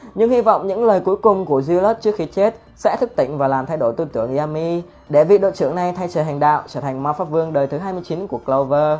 nhưng hi vọng những lời cuối cùng của julius trước khi chết sẽ thức tỉnh và làm thay đổi tư tưởng yami để vị đội trưởng này thay trời hành đạo trở thành mpv đời thứ của clover